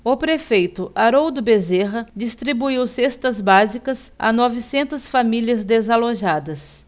o prefeito haroldo bezerra distribuiu cestas básicas a novecentas famílias desalojadas